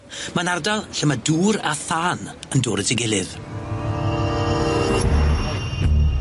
Ma'n ardal lle ma' dŵr a thân yn dod at 'i gilydd.